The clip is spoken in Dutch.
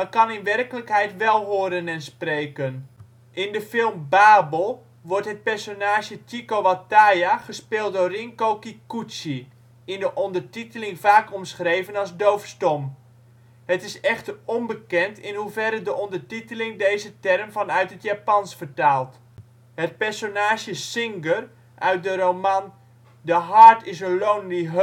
kan in werkelijkheid wel horen en spreken. In de film Babel wordt het personage Chieko Wataya, gespeeld door Rinko Kikuchi, in de ondertiteling vaak omschreven als doofstom. Het is echter onbekend in hoeverre de ondertiteling deze term van uit het Japans vertaalt. Het personage Singer uit de roman The Heart Is a Lonely Hunter